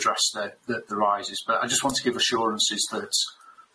address the the the rises but I just want to give assurances that